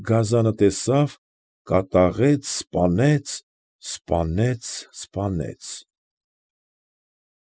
Գազանը տեսավ, կատաղեց, սպանեց, սպանեց, սպանեց»։